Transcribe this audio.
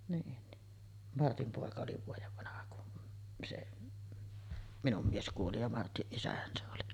niin niin Martin poika oli vuoden vanha kun se minun mies kuoli ja Martin isähän se oli